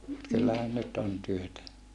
mutta kyllähän nyt on työtä